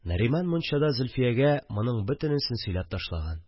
Нариман мунчада Зөлфиягә моның бөтенесен сөйләп ташлаган